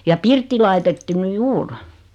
ja pirtti laitettu nyt juuri